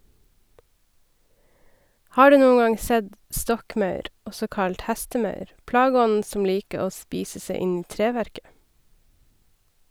Har du noen gang sett stokkmaur, også kalt hestemaur, plageånden som liker å spise seg inn i treverket?